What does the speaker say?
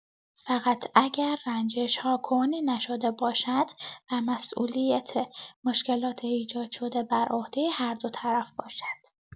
فقط اگر رنجش‌ها کهنه نشده باشند و مسئولیت مشکلات ایجادشده بر عهده هر دو طرف باشد.